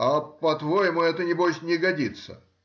А по-твоему это небось не годится?